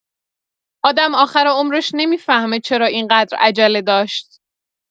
آدم آخر عمرش نمی‌فهمه چرا این‌قدر عجله داشت.